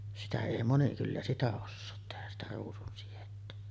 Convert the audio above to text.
sitä ei moni kyllä sitä osaa tehdä sitä ruusunsidettä